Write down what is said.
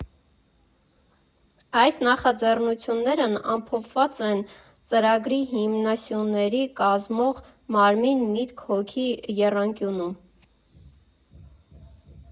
Այս նախաձեռնություններն ամփոփված են ծրագրի հիմնասյուներ կազմող ՄԱՐՄԻՆ֊ՄԻՏՔ֊ՀՈԳԻ եռանկյունում։